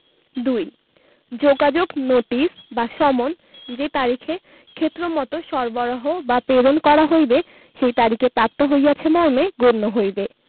২ যোগাযোগ নোটিশ বা সমন যেই তারিখে ক্ষেত্রমত সরবরাহ বা প্রেরণ করা হইবে সেই তারিখে প্রাপ্ত হইয়াছে মর্মে গণ্য হইবে